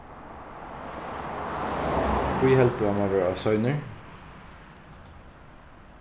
hví heldur tú hann man vera ov seinur